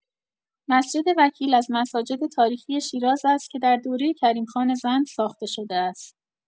مسجد وکیل از مساجد تاریخی شیراز است که در دوره کریم‌خان زند ساخته شده است.